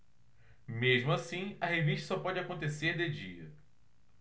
mesmo assim a revista só pode acontecer de dia